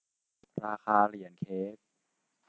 ราคาเหรียญเค้ก